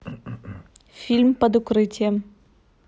фильм под укрытием